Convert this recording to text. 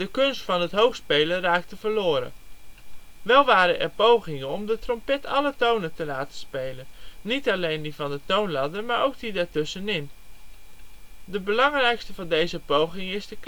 kunst van het hoog spelen raakte verloren. Wel waren er pogingen om de trompet alle tonen te laten spelen. Niet alleen die van de toonladder maar ook die daar tussen in. De belangrijkste van deze pogingen is de